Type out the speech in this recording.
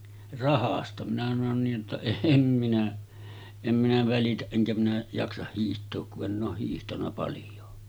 rahasta minä sanoin niin jotta en minä en minä välitä enkä minä jaksa hiihtää kun en ole hiihtänyt paljoa